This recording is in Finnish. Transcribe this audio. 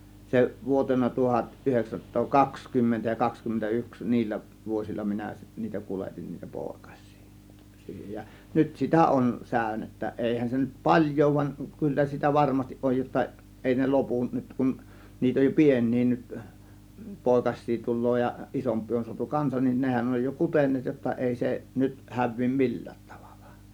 se vuotena tuhat yhdeksänsataa kaksikymmentä ja kaksikymmentä yksi niillä vuosilla minä niitä kuljetin niitä poikasia siihen ja nyt sitä on säynettä eihän se nyt paljon ole vaan kyllä sitä varmasti oli jotta ei ne lopu nyt kun niitä on jo pieniä nyt poikasia tulee ja isompia on saatu kanssa niin nehän on jo kuteneet jotta ei se nyt häviä millään tavalla